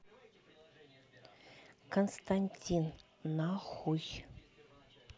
константин нахуй